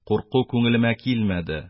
Курку күңелемә килмәде,